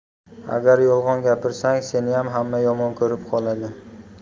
agar yolg'on gapirsang seniyam hamma yomon ko'rib qoladi